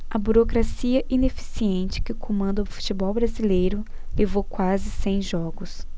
a burocracia ineficiente que comanda o futebol brasileiro levou quase cem jogos